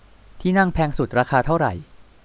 ที่นั่งแพงสุดราคาเท่าไหร่